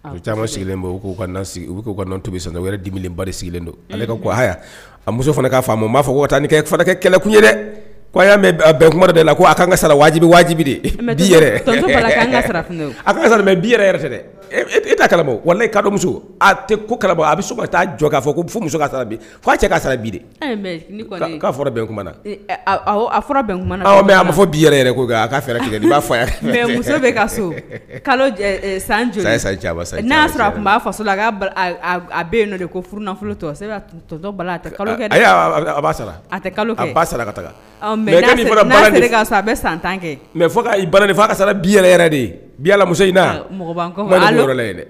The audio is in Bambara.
Caman sigilen' tubi u wɛrɛ dibe ba sigilen don ale a muso fana k'a n'a fɔ nikɛ kɛlɛkun ye dɛ bɛn kuma de la ko ka wajibijibi de mɛ dɛ wali kamuso a ko a bɛ so ka taa jɔ' fɔ ka sara fo ka sara biumana bɛ mɛ a ma fɔ bi ko fɛa faso nafolo sara bɛ san tan mɛ fo ba ka de bi in dɛ